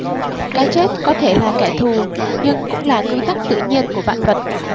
cái chết có thể là kẻ thù nhưng cũng là quy tắc tự nhiên của vạn vật